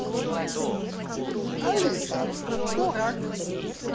алиса дурак